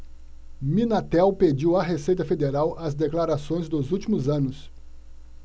minatel pediu à receita federal as declarações dos últimos anos